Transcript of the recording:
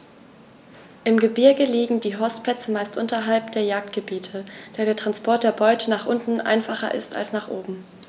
Im Gebirge liegen die Horstplätze meist unterhalb der Jagdgebiete, da der Transport der Beute nach unten einfacher ist als nach oben.